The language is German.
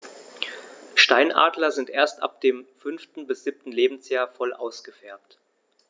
Steinadler sind erst ab dem 5. bis 7. Lebensjahr voll ausgefärbt.